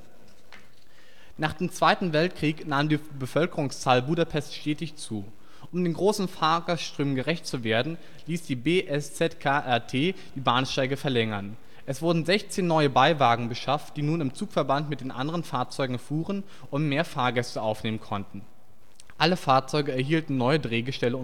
Nach dem Zweiten Weltkrieg nahm die Bevölkerungszahl Budapests stetig zu. Um den großen Fahrgastströmen gerecht zu werden, ließ die BSZKRT die Bahnsteige verlängern. Es wurden sechzehn neue Beiwagen beschafft, die nun im Zugverband mit den anderen Fahrzeugen fuhren und mehr Fahrgäste aufnehmen konnten. Alle Fahrzeuge erhielten neue Drehgestelle